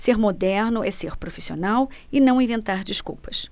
ser moderno é ser profissional e não inventar desculpas